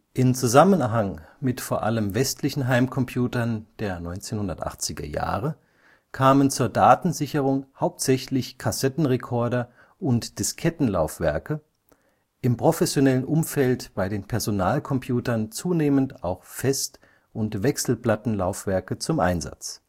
In Zusammenhang mit vor allem westlichen Heimcomputern der 1980er Jahre kamen zur Datensicherung hauptsächlich Kassettenrekorder und Diskettenlaufwerke, im professionellen Umfeld bei den Personalcomputern zunehmend auch Fest - und Wechselplattenlaufwerke zum Einsatz